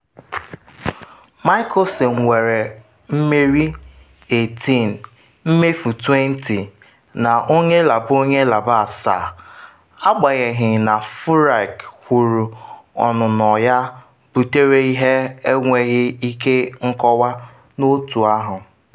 Mickelson nwere mmeri 18, mmefu 20 na onye laba onye laba asaa, agbanyeghị na Furyk kwuru ọnụnọ ya butere ihe enweghi ike nkọwa n’otu ahụ.